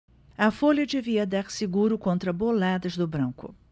a folha devia dar seguro contra boladas do branco